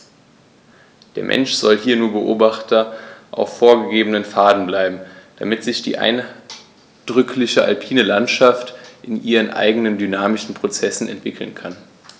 Der Mensch soll hier nur Beobachter auf vorgegebenen Pfaden bleiben, damit sich die eindrückliche alpine Landschaft in ihren eigenen dynamischen Prozessen entwickeln kann.